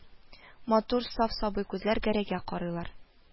Матур, саф, сабый күзләр Гәрәйгә карыйлар